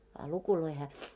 a lukuja hän